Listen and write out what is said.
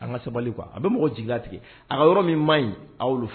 An ka sabali quoi a bɛ mɔgɔ jigila tigɛ a ka yɔrɔ min maɲi a y’olu